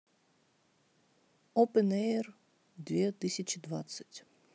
опен эйр две тысячи двадцать